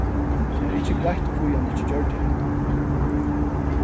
tað er ikki greitt hví hann ikki gjørdi hatta